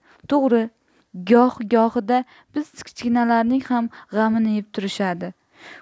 to'g'ri gohi gohida biz kichkinalarning ham g'amini yeb turishadi